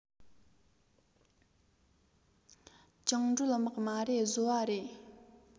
བཅིངས འགྲོལ དམག མ རེད བཟོ བ རེད